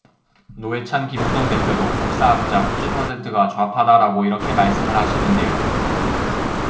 노회찬 김무성 대표도 국사학자 구십 퍼센트가 좌파다라고 이렇게 말씀을 하시는데요